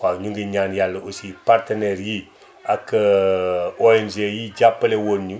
waaw ñu ngi ñaan yàlla aussi partenaires yii ak ONG yii jàppale woon ñu